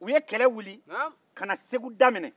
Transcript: u ye kɛlɛ wili ka na segu da minɛ